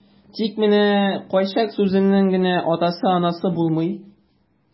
Тик менә кайчак сүзенең генә атасы-анасы булмый.